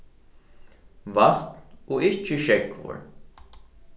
vatn og ikki sjógvur